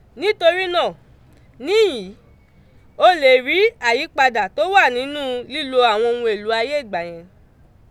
Nítorí náà, níhìn ín, o lè rí ìyípadà tó wà nínú lílo àwọn ohun èlò ayé ìgbà yẹn.